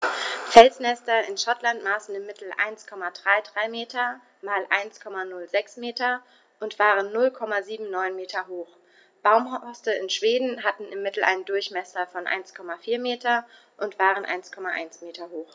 Felsnester in Schottland maßen im Mittel 1,33 m x 1,06 m und waren 0,79 m hoch, Baumhorste in Schweden hatten im Mittel einen Durchmesser von 1,4 m und waren 1,1 m hoch.